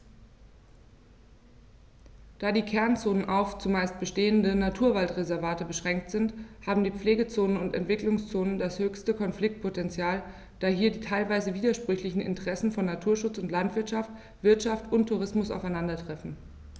Da die Kernzonen auf – zumeist bestehende – Naturwaldreservate beschränkt sind, haben die Pflegezonen und Entwicklungszonen das höchste Konfliktpotential, da hier die teilweise widersprüchlichen Interessen von Naturschutz und Landwirtschaft, Wirtschaft und Tourismus aufeinandertreffen.